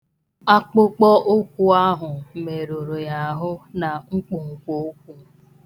Akpụkpọụkwụ ahụ meruru ya ahụ na nkwonkwoụkwụ.